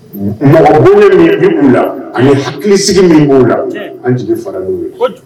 Mɔgɔ min b k'u la ani hakili sigi min b'u la an jigi fara'u ye